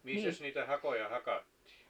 missäs niitä hakoja hakattiin